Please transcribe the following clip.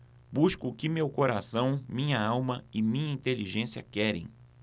busco o que meu coração minha alma e minha inteligência querem